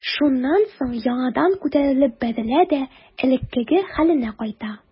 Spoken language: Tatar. Шуннан соң яңадан күтәрелеп бәрелә дә элеккеге хәленә кайта.